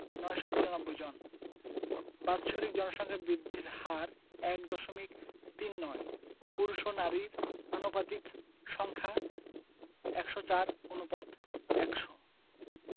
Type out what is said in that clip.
৯৯৩ জন বাৎসরিক জনসংখ্যা বৃদ্ধির হার ১দশমিক তিন নয় পুরুষ ও নারীর আনুপাতিক সংখ্যা ১০৪ অনুপাত ১০০